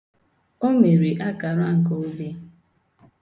O mere akara nke obe.